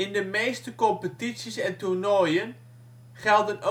de meeste competities en toernooien gelden